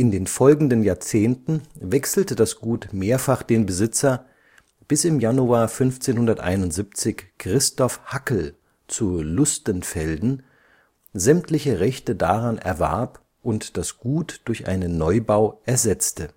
den folgenden Jahrzehnten wechselte das Gut mehrfach den Besitzer, bis im Januar 1571 Christoff Hackl zu Lustenfelden sämtliche Rechte daran erwarb und das Gut durch einen Neubau ersetzte